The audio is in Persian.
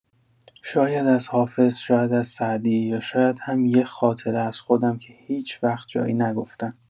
شاید از حافظ، شاید از سعدی، یا شاید هم یه خاطره از خودم که هیچ‌وقت جایی نگفتم.